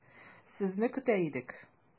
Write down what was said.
Сезне көтә идек.